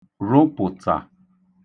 rụpụ̀tà